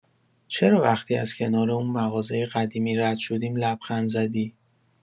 چرا وقتی از کنار اون مغازه قدیمی رد شدیم لبخند زدی؟